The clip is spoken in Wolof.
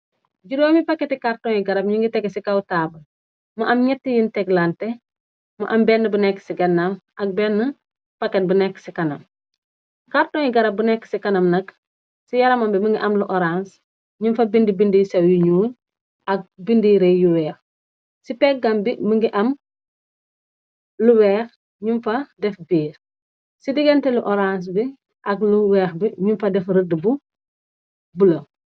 Juróomi paketi kartonyi garab ñu ngi teg ci kaw taabal, mu am ñett yun teg lante, mu am benne bu nekk ci ganaaw, ak benne paket bu nekk ci kanam, kartonyi garab bu nekk ci kanam nak ci yaramom bi më ngi am lu orange, ñuñ fa bind-bindi yu sew yu ñuul ak bindi rëy yu weex, ci pegam bi më ngi am lu weex, ñuñ fa def biir, ci digante lu orange bi ak lu weex bi, ñuñ fa def rëdd bu bule.